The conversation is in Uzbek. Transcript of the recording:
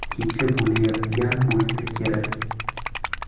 kecha bo'layotgan bo'lsa kerak